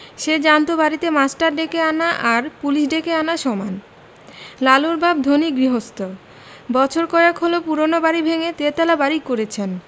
সে জানত বাড়িতে মাস্টার ডেকে আনা আর পুলিশ ডেকে আনা সমান লালুর বাপ ধনী গৃহস্থ বছর কয়েক হলো পুরানো বাড়ি ভেঙ্গে তেতলা বাড়ি করেছেন